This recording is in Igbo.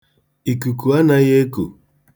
Ikuku anaghị eku.